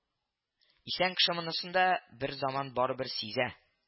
Исән кеше монысын да бер заман барыбер сизә